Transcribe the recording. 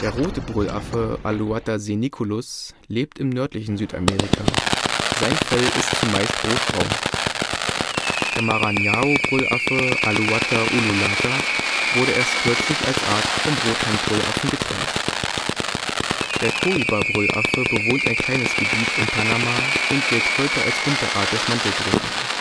Rote Brüllaffe (Alouatta seniculus) lebt im nördlichen Südamerika. Sein Fell ist zumeist rotbraun. Der Maranhão-Brüllaffe (Alouatta ululata) wurde erst kürzlich als Art vom Rothandbrüllaffen getrennt. Der Coiba-Brüllaffe bewohnt ein kleines Gebiet in Panama und gilt heute als Unterart des Mantelbrüllaffen